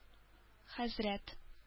Хәзрәт